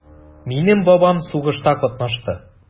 Минем бабам сугышта катнашты.